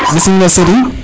bismila Serigne